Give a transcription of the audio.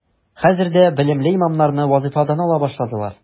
Хәзер дә белемле имамнарны вазифадан ала башладылар.